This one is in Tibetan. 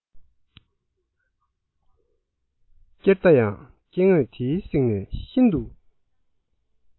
སྐྱེར མདའ ཡང སྐྱེས དངོས དེའི གསེང ནས ཤིན ཏུ